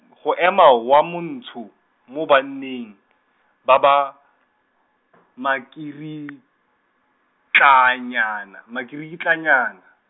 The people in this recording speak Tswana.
go ema wa Montsho, mo banneng ba ba , makiritlanyana, makiritlanyana.